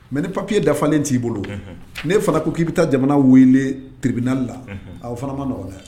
Mais ni papier dafalen ti bolo . Unhun. Ne fana ko ki bɛ taa jamana wele tribunal la aw fana ma nɔgɔɔgɔn dɛ